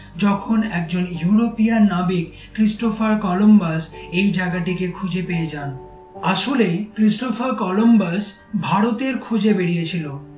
যখন একজন ইউরোপিয়ান নাবিক ক্রিস্টোফার কলম্বাস এই জায়গাটিকে খুঁজে পেয়ে যান আসলে ক্রিস্টোফার কলম্বাস ভারতের খোঁজে বেরিয়ে ছিল